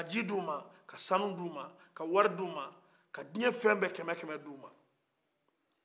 ka ji di u ma ka sanu di u ma ka wari di u ma ka dunuya fɛn bɛɛ kɛmɛkɛmɛ di u ma